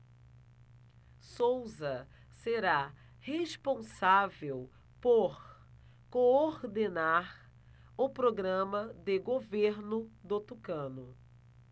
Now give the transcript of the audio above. souza será responsável por coordenar o programa de governo do tucano